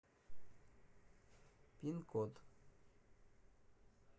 пин код